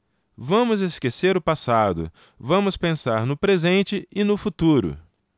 vamos esquecer o passado vamos pensar no presente e no futuro